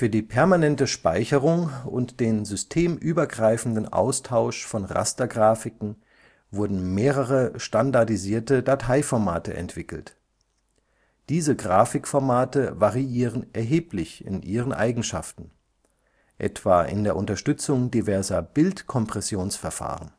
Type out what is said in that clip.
die permanente Speicherung und den systemübergreifenden Austausch von Rastergrafiken wurden mehrere standardisierte Dateiformate entwickelt. Diese Grafikformate variieren erheblich in ihren Eigenschaften, etwa in der Unterstützung diverser Bildkompressionsverfahren